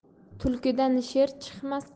tulkidan sher chiqmas